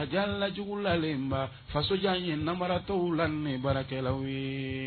Aja la jugu lalen fasojan ye nabararatɔw la baarakɛlawlaw ye